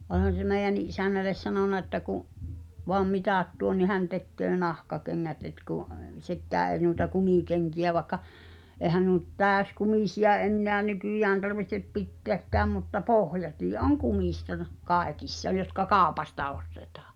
olihan se meidänkin isännälle sanonut että kun vain mitat tuo niin hän tekee nahkakengät että kun sekään ei noita kumikenkiä vaikka eihän nuo nyt täyskumisia enää nykyään tarvitse pitääkään mutta pohjatkin on kumista - kaikissa jotka kaupasta ostetaan